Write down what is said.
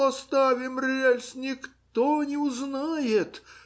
Поставим рельс, никто не узнает.